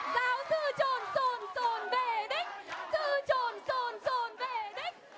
giáo sư chồn sồn sồn về đích sư chồn sồn sồn về đích